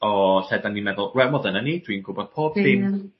o lle 'dan ni'n meddwl wel mo- dyna ni dwi'n gwbod pob dim.